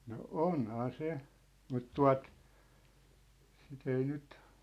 no onhan se mutta tuota sitten ei nyt